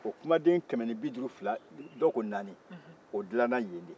o kumaden kɛmɛ ni biduuru ni fila dɔw ko naani o dilanna yen de